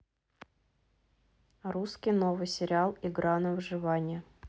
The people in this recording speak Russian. русский новый сериал игра на выживание